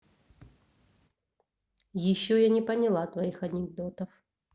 еще я не поняла твоих анекдотов